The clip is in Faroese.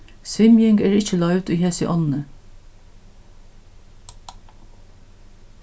svimjing er ikki loyvd í hesi ánni